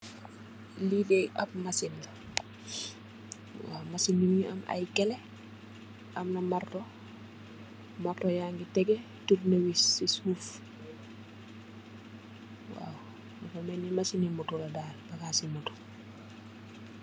Li dè ab machine la waw, machine bi mungi am ay gèlè, amna marto, marto yangi tégé turna wiiss ci suuf waw. Dafa mèlni machine bi moto la daal, bagas ci moto.